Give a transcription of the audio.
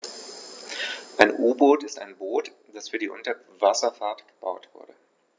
Ein U-Boot ist ein Boot, das für die Unterwasserfahrt gebaut wurde.